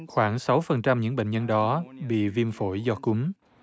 khoảng sáu phần trăm những bệnh nhân đó bị viêm phổi do cúm